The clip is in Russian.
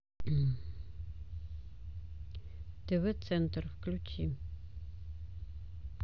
тв центр включи